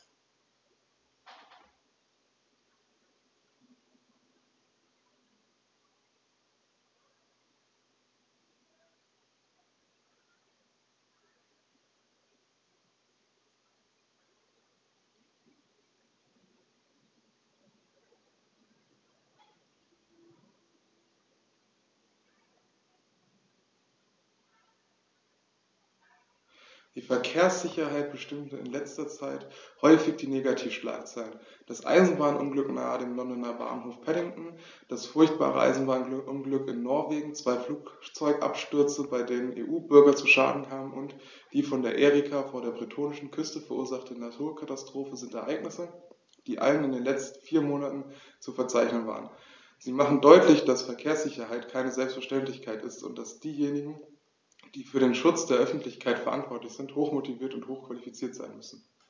Die Verkehrssicherheit bestimmte in letzter Zeit häufig die Negativschlagzeilen: Das Eisenbahnunglück nahe dem Londoner Bahnhof Paddington, das furchtbare Eisenbahnunglück in Norwegen, zwei Flugzeugabstürze, bei denen EU-Bürger zu Schaden kamen, und die von der Erika vor der bretonischen Küste verursachte Naturkatastrophe sind Ereignisse, die allein in den letzten vier Monaten zu verzeichnen waren. Sie machen deutlich, dass Verkehrssicherheit keine Selbstverständlichkeit ist und dass diejenigen, die für den Schutz der Öffentlichkeit verantwortlich sind, hochmotiviert und hochqualifiziert sein müssen.